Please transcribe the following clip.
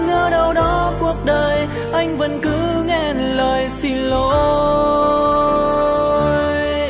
ngỡ đâu đó cuộc đời anh vẫn nói ngàn lời xin lỗi